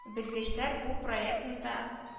Белгечләр бу проектны да